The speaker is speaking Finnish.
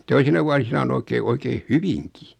toisina vuosina on oikein oikein hyvinkin